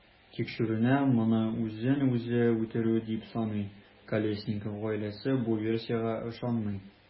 Тикшеренү моны үзен-үзе үтерү дип саный, Колесников гаиләсе бу версиягә ышанмый.